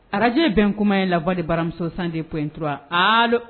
Arajɛ in bɛn kuma ye labɔ de baramuso san de paul intura hali